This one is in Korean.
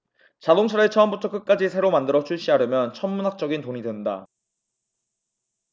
자동차를 처음부터 끝까지 새로 만들어 출시하려면 천문학적인 돈이 든다